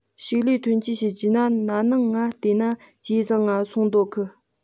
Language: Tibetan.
ཕྱུགས ལས ཐོན སྐྱེད བཤད རྒྱུ ན ན ནིང ང བལྟས ན ཇེ བཟང ང སོང ོད གི